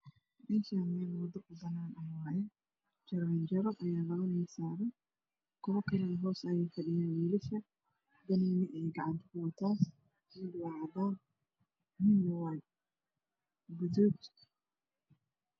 Meeshaan meel wado banaan ah waaye jaranjaro ayaa labo wiil saaran tahay kuwana hoos aya fadhiyaan qalin ayay gacanta ku wataan mid waa cadaan midna waa gaduud.